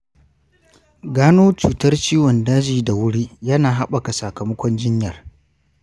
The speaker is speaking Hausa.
gano cutar ciwon daji da wuri yana habaka sakamakon jinyar.